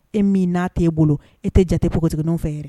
E min n'a tɛ e bolo e tɛ jate ko ka jate n'w fɛ ye